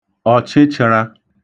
ọ̀chịchə̣̄rā